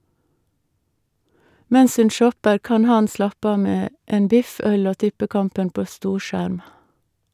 Mens hun shopper, kan han slappe av med en biff, øl og tippekampen på storskjerm.